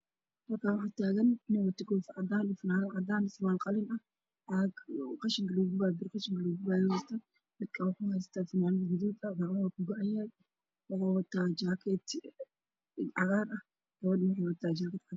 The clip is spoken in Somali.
Waa dad qashin gurayaan oo wataan shaati cagaar iyo nin gacan go-aan iyo nin shaati cadaan wato iyo gabar